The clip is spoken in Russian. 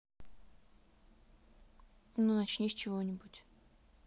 ну начни с чего нибудь